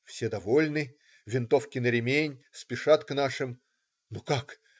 Все довольны, винтовки на ремень, спешат к нашим. "Ну как?